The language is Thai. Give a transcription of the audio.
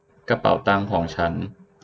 กระเป๋าตังของฉัน